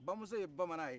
bamuso ye bamanan ye